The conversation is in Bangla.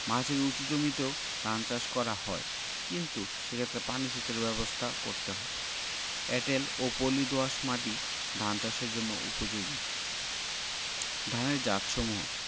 মাঝারি উচু জমিতেও ধান চাষ করা হয় কিন্তু সেক্ষেত্রে পানি সেচের ব্যাবস্থা করতে হয় এঁটেল ও পলি দোআঁশ মাটি ধান চাষের জন্য উপযোগী ধানের জাতসমূহ